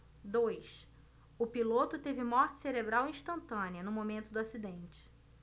dois o piloto teve morte cerebral instantânea no momento do acidente